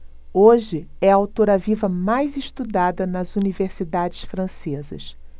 hoje é a autora viva mais estudada nas universidades francesas